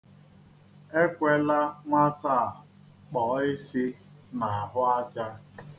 Ekwela nwata a kpọọ isi n'ahụaja.